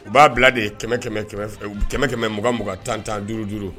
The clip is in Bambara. U b'a bila de ye kɛmɛ kɛmɛ kɛmɛ mɔgɔugan tan tan duuru duuru